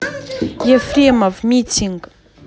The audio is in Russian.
ефремов митинг